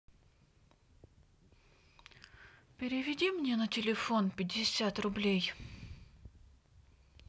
переведи мне на телефон пятьдесят рублей